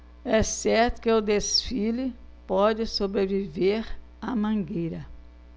é certo que o desfile pode sobreviver à mangueira